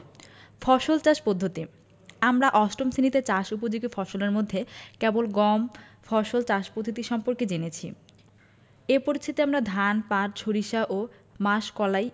ফসল চাষ পদ্ধতি আমরা অষ্টম শেণিতে চাষ উপযোগী ফসলের মধ্যে কেবল গম ফসল চাষ পদ্ধতি সম্পর্কে জেনেছি এ পরিচ্ছেদে আমরা ধান পাট সরিষা ও মাসকলাই